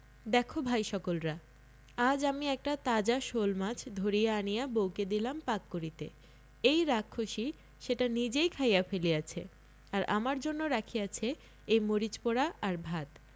দেখ ভাই সকলরা আজ আমি একটা তাজা শোলমাছ ধরিয়া আনিয়া বউকে দিলাম পাক করিতে এই রাক্ষসী সেটা নিজেই খাইয়া ফেলিয়াছে আর আমার জন্য রাখিয়াছে এই মরিচ পোড়া আর ভাত